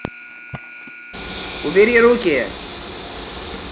убери руки